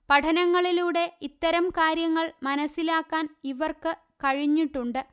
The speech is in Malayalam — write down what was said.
പഠനങ്ങളിലൂടെ ഇത്തരം കാര്യങ്ങൾ മനസിലാക്കാൻ ഇവർക്ക് കഴിഞ്ഞിട്ടുണ്ട്